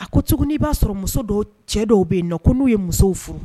A ko cogo n'i b'a sɔrɔ muso dɔw cɛ dɔw bɛ yen nɔ ko n'u ye musow furu